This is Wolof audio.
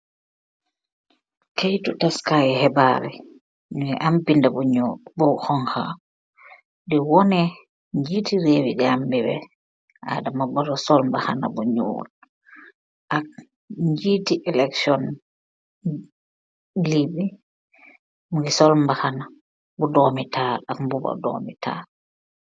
Keitu tass kaii khibarr yii, nungy am binda bu njull bu honha, dii wohneh njiiti rewi gambie bii adama barrow sol mbahanah bu njull, ak njiiti election lii bii mungy sol mbahanah bu dormi taal ak mbuba dormi taal.